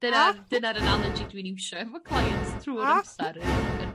dyna'r dyna'r analogy dw i'n iwsio efo clients trw'r amsar yr yr...